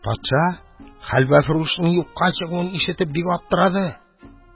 Патша, хәлвәфрүшнең юкка чыгуын ишетеп, бик аптырады.